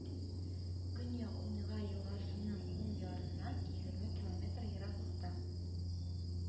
Көньяк Уньга елгасының уң ярыннан егерме километр ераклыкта